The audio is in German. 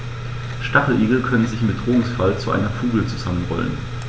Stacheligel können sich im Bedrohungsfall zu einer Kugel zusammenrollen.